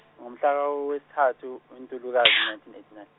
ngomhla wesithathu uNtulukazi nineteen eighty nine.